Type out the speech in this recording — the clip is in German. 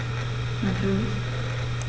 Natürlich.